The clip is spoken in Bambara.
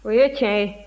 o ye tiɲɛ ye